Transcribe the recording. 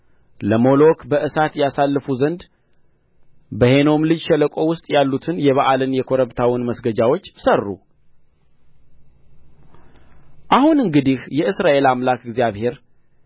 ለሞሎክ በእሳት ያሳልፉ ዘንድ በሄኖም ልጅ ሸለቆ ውስጥ ያሉትን የበኣልን የኮረብታውን መስገጃዎች ሠሩ አሁን እንግዲህ የእስራኤል አምላክ እግዚአብሔር